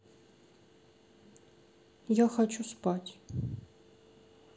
я хочу спать